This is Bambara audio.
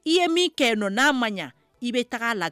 I ye min kɛ nɔ n'a man ɲɛ i bɛ taa a la